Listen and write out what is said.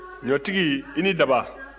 ɲɔtigi i ni daba